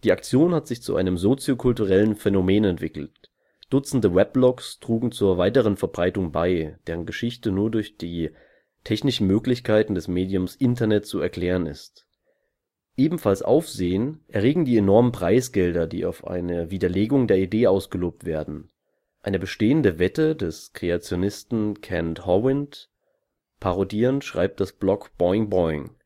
Aktion hat sich zu einem soziokulturellen Phänomen entwickelt. Dutzende Weblogs trugen zur weiteren Verbreitung bei, deren Geschwindigkeit nur durch die technischen Möglichkeiten des Mediums Internet zu erklären ist. Ebenfalls Aufsehen erregen die enormen Preisgelder, die auf eine Widerlegung der Idee ausgelobt werden. Eine bestehende Wette des Kreationisten Kent Hovind parodierend, schreibt das Blog Boing Boing